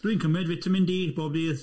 Dwi'n cymryd fitamin D bob dydd.